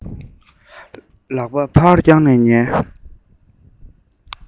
ལག པ ཕར བརྐྱངས ནས ཉལ